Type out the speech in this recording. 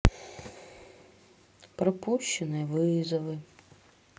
пропущенные вызовы